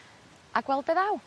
A gwel be' ddaw.